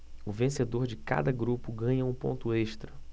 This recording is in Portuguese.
o vencedor de cada grupo ganha um ponto extra